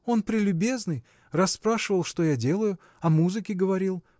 он прелюбезный: расспрашивал, что я делаю о музыке говорил